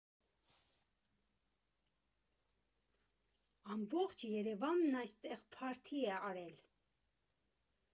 Ամբողջ Երևանն այստեղ փարթի է արել։